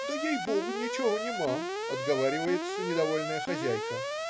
"Да, ей-Богу, ничего нема",- отговаривается недовольная хозяйка.